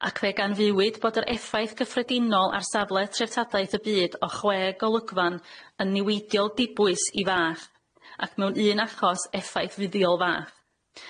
Ac fe ganfuwyd bod yr effaith gyffredinol ar safle treftadaeth y byd o chwe golygfan yn niweidiol dibwys i fath ac mewn un achos effaith fuddiol fath.